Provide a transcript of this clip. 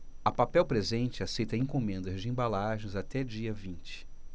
a papel presente aceita encomendas de embalagens até dia vinte